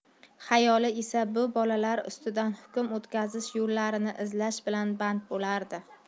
xayoli esa bu bolalar ustidan hukm o'tkazish yo'llarini izlash bilan band bo'lardi